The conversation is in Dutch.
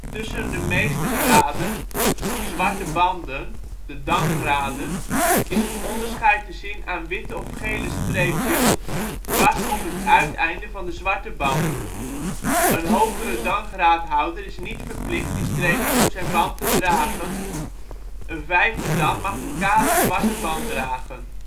Tussen de meestergraden (zwarte banden; dangraden) is het onderscheid te zien aan witte of gele streepjes dwars op het uiteinde van de zwarte band. Een hogere dangraadhouder is niet verplicht die streepjes op zijn band te dragen; een vijfde dan mag een ' kale ' zwarte band dragen